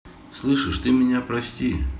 слышь ты меня прости